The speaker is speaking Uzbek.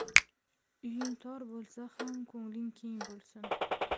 uying tor bo'lsa ham ko'ngling keng bo'lsin